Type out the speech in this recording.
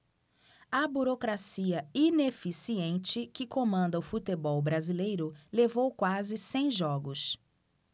a burocracia ineficiente que comanda o futebol brasileiro levou quase cem jogos